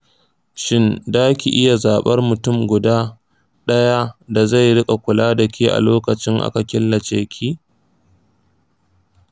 shin daki iya zabar mutum guda daya da zai rika kula da ke a lokacin aka killace ki?